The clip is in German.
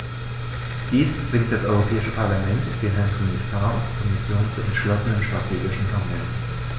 Dies zwingt das Europäische Parlament, den Herrn Kommissar und die Kommission zu entschlossenem strategischen Handeln.